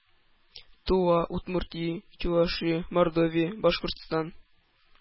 Тува, Удмуртия, Чувашия, Мордовия, Башкортстан